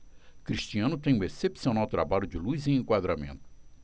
cristiano tem um excepcional trabalho de luz e enquadramento